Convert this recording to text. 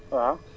waaw